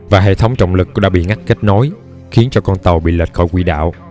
và hệ thống trọng lực cũng đã bị ngắt kết nối khiến cho con tàu bị lệch khỏi quỹ đạo